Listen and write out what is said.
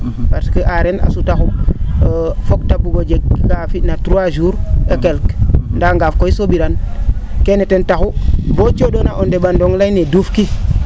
parce que aareer a sutaxum fook te bugo jeg kaa fina trois jour et quelques ndaa ngaaf koy so?iran kene ten taxu boo coo?ona o nde?andoong layne duuf ki